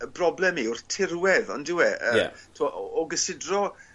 y broblem yw'r tirwedd on'd yw? Yy... Ie. ...t'wo' o o gysidro